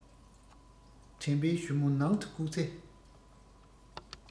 དྲན པའི གཞུ མོ ནང དུ བཀུག ཚེ